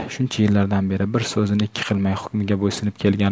shuncha yiltardan beri bir so'zini ikki qilmay hukmiga bo'ysunib kelganida